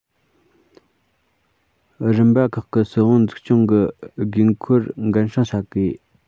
རིམ པ ཁག གི སྲིད དབང འཛུགས སྐྱོང གི དགོས མཁོར འགན སྲུང བྱ དགོས